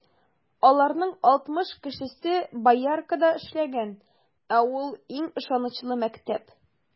Аларның алтмыш кешесе Бояркада эшләгән, ә ул - иң ышанычлы мәктәп.